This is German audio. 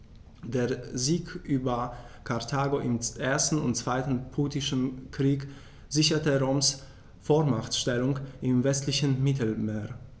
Der Sieg über Karthago im 1. und 2. Punischen Krieg sicherte Roms Vormachtstellung im westlichen Mittelmeer.